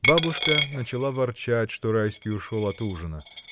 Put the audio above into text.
Бабушка начала ворчать, что Райский ушел от ужина.